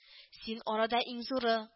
- син арада иң зуры